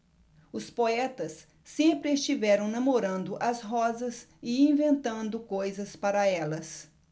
os poetas sempre estiveram namorando as rosas e inventando coisas para elas